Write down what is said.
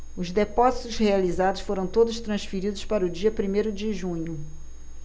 os depósitos realizados foram todos transferidos para o dia primeiro de junho